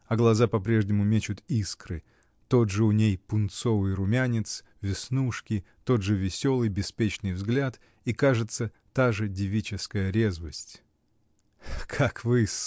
А глаза по-прежнему мечут искры, тот же у ней пунцовый румянец, веснушки, тот же веселый, беспечный взгляд и, кажется, та же девическая резвость! — Как вы.